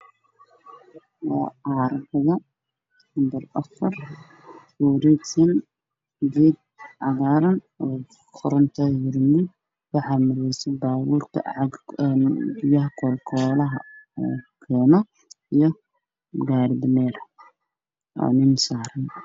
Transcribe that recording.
Meeshaan waa meel laami waxaa ku yaalo aargo wareeg ah waxaa maraayo gaari weysadeen bajaaj waana suuq